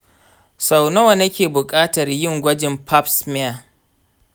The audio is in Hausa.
sau nawa nake bukatar yin gwajin pap smear?